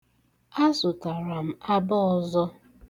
Azụtara abọ ọzọ.